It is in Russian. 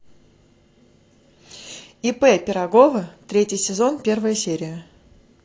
ип пирогова третий сезон первая серия